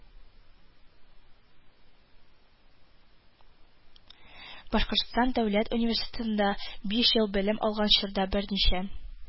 Башкортстан дәүләт университетында биш ел белем алган чорда берничә